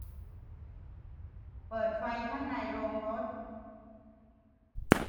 เปิดไฟข้างในโรงรถ